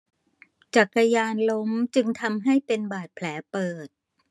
จักรยานล้มจึงทำให้เป็นบาดแผลเปิด